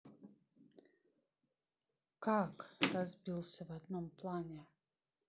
как разбился в одном плане